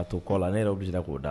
A to kɔ la ne yɛrɛ bɛ k'o da